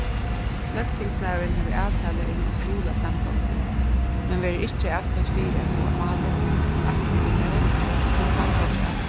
løgtingsmaðurin hevur avtalu um at stuðla samgonguni men verður ikki atkvøtt fyri at fáa málið aftur úr nevnd so kann samgongan